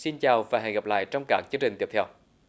xin chào và hẹn gặp lại trong các chương trình tiếp theo